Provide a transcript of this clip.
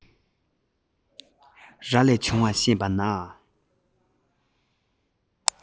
ར ལས བྱུང བ ཤེས པས ན